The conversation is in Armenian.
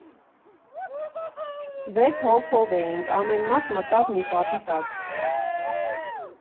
Վեց հոգով էինք, ամեն մարդ մտավ մի պատի տակ։